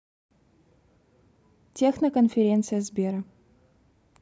техно конференция сбера